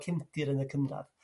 cefndir yn y cynradd.